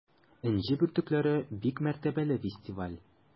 “энҗе бөртекләре” - бик мәртәбәле фестиваль.